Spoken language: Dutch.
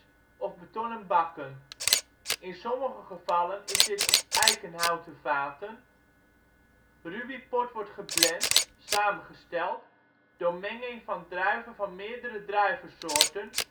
betonnen bakken. In sommige gevallen is dit op eikenhouten vaten. Ruby port wordt geblend (samengesteld) door menging van druiven van meerdere druivensoorten